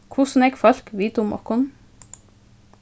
hvussu nógv fólk vita um okkum